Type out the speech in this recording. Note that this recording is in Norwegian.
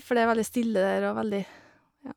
For det er veldig stille der og veldig, ja...